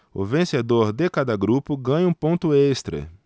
o vencedor de cada grupo ganha um ponto extra